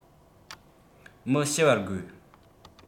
མི ཤི བར དགོས